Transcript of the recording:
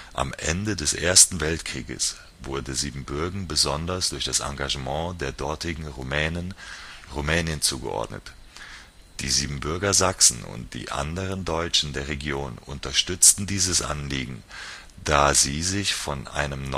Am Ende des Ersten Weltkriegs wurde Siebenbürgen, besonders durch das Engagement der dortigen Rumänen, Rumänien zugeordnet. Die Siebenbürger Sachsen und die anderen Deutschen der Region unterstützten dieses Anliegen, da sie sich von einem